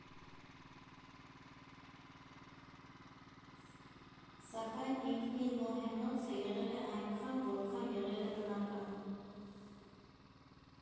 Սակայն ինքնին Բոհեմնոցը եղել է այնքան, որքան եղել է բնական։